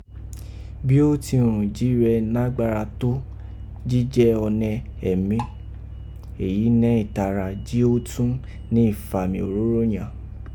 Bi o ti ghùn ji rẹ nagbara to, ji jẹ́ ọnẹ emi èyí nẹ́ itara ji o tọ́n ni ifàmì óróró yàn